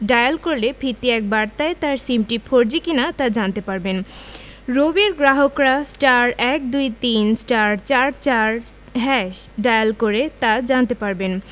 dial করলে ফিরতি এক বার্তায় তার সিমটি ফোরজি কিনা তা জানতে পারবেন রবির গ্রাহকরা *১২৩*৪৪# ডায়াল করে তা জানতে পারবেন